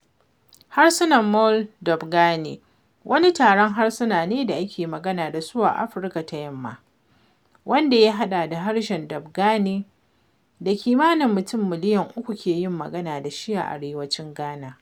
Harsunan Mole-Dagbani wani taron harsuna ne da ake magana da su a Afirka ta Yamma, wanda ya haɗa da harshen Dagbani da kimanin mutum miliyan uku ke yin magana da shi a arewacin Ghana.